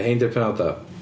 Rhein 'di'r penawdau.